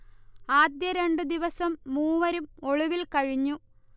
ആദ്യ രണ്ടു ദിവസം മൂവരും ഒളിവിൽ കഴിഞ്ഞു